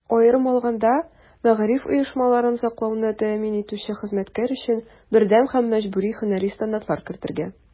Аерым алганда, мәгариф оешмаларын саклауны тәэмин итүче хезмәткәр өчен бердәм һәм мәҗбүри һөнәри стандартлар кертергә.